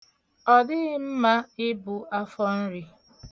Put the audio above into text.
Ọ dịghị mma ibu afọnri.